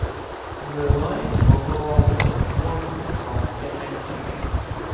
người mới của cô là hải quân một doanh nhân trẻ